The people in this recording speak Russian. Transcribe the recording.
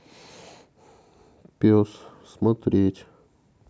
пес смотреть